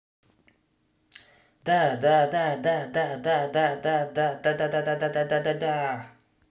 да да да да да да да да да дадададададада